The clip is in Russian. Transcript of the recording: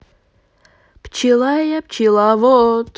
пчела я пчеловод